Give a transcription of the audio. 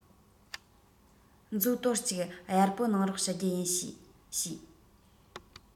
མཛོ དོར གཅིག གཡར པོ གནང རོགས ཞུ རྒྱུ ཡིན ཞེས ཞུས